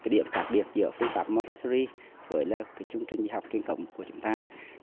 cái điểm khác biệt giữa phương pháp mon tớt sơ ri với là cái chương trình dạy học truyền thống của chúng ta